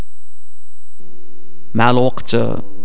مع الوقت